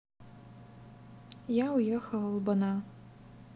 я уехал албана